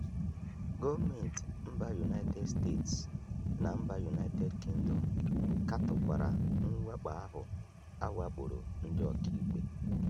Gọọmentị mba United States na mba United Kingdom katọkwara mwakpo ahụ a wakporo ndị ọkaikpe.